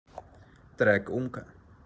трек умка